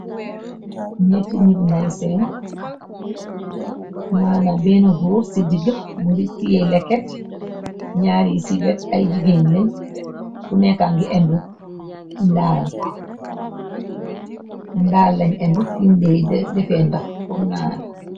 ñetti neet ngay seen manam benn goor ci digga mu ngi tiye lekket ñaar yi ci wet ay jigéen lañ ku nekka ngi eno ndaal ndaal lañ eno findeey defee ndox pur naan.